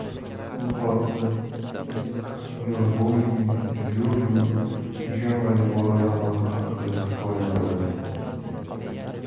bu hafta u jon boynning yo'l yo'l pijamali bola romani haqida hikoya qiladi